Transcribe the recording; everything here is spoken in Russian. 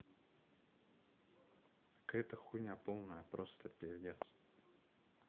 какая то хуйня полная просто пиздец